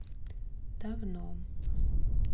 давно